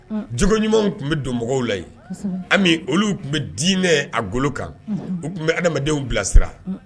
Jogo ɲumanw tun bɛ don mɔgɔw layi olu tun bɛ diinɛ a golo kan u tun bɛ adamadenw bilasira